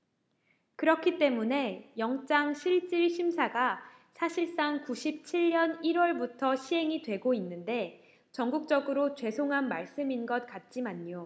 그렇기 때문에 영장실질심사가 사실상 구십 칠 년 일 월부터 시행이 되고 있는데 전국적으로 죄송한 말씀인 것 같지만요